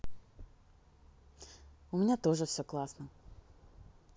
у меня тоже все классно